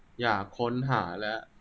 อยากค้นหาละ